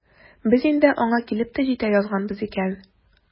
Без инде аңа килеп тә җитә язганбыз икән.